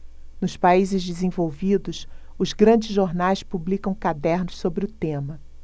nos países desenvolvidos os grandes jornais publicam cadernos sobre o tema